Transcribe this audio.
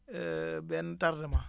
benn tardement